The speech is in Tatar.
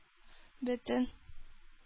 Бөтен